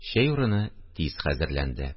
Чәй урыны тиз хәзерләнде